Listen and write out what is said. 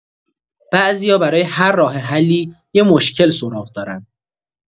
بعضیا برای هر راه‌حلی، یک مشکل سراغ دارن.